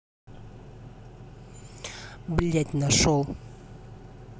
блядь нашел